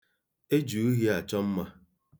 E ji uhie achọ mma.